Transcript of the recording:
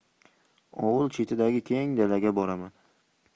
ovul chetidagi keng dalaga boraman